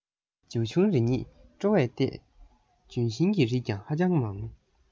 བྱེའུ ཆུང རེ གཉིས སྤྲོ བས བརྟས ལྗོན ཤིང གི རིགས ཀྱང ཧ ཅང མང